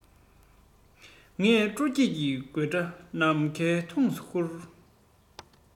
ངས སྤྲོ སྐྱིད ཀྱི དགོད སྒྲ ནམ མཁའི མཐོངས སུ སྤུར